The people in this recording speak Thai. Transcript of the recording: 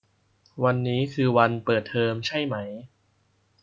วันนี้คือวันเปิดเทอมใช่ไหม